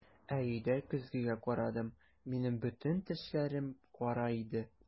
Ә өйдә көзгегә карадым - минем бөтен тешләрем кара иде!